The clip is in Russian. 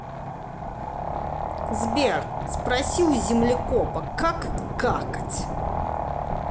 сбер спроси у землекопа как какать